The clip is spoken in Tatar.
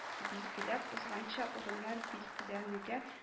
Билгеләп узганча, урыннар билгеләнүгә